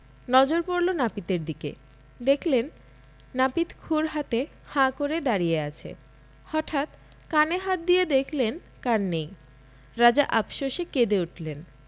নজর পড়ল নাপিতের দিকে দেখলেন নাপিত ক্ষুর হাতে হাঁ করে দাড়িয়ে আছে হঠাৎ কানে হাত দিয়ে দেখলেন কান নেই রাজা আপসোসে কেঁদে উঠলেন